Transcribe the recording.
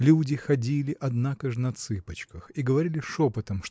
Люди ходили однако ж на цыпочках и говорили шепотом